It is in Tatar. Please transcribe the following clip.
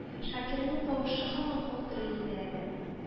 — шакирнең тавышы һаман калтырый иде әле